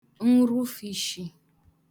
nnrufùishī